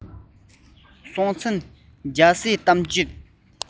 སྲོང བཙན རྒྱ བཟའི གཏམ རྒྱུད